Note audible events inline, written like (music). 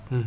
(hesitation) (hesitation)